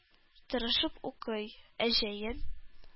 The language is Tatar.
Тырышып укый. Ә җәен